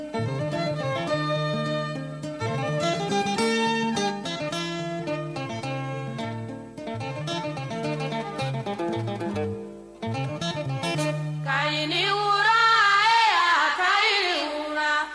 Kaɲɛ wula ka